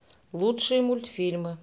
лучшие мультфильмы